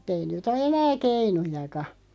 mutta ei nyt ole enää keinujakaan